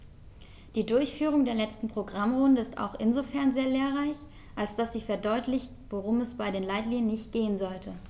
Die Durchführung der letzten Programmrunde ist auch insofern sehr lehrreich, als dass sie verdeutlicht, worum es bei den Leitlinien nicht gehen sollte.